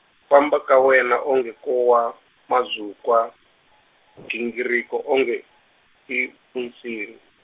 famba ka wena onge ko wa mazukwa, gingiriko onge, i vunsini.